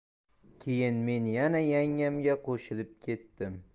keyin men yana yangamga qo'shilib ketdim